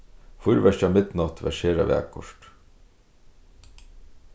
fýrverkið á midnátt var sera vakurt